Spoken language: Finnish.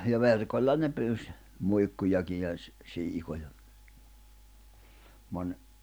ja verkolla ne pyysi muikkujakin ja - siikoja moni